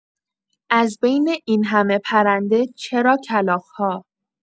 از بین این‌همه پرنده چرا کلاغ‌ها؟!